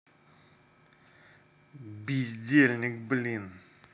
бездельник блин